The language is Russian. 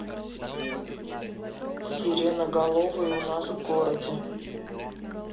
сиреноголовый у нас в городе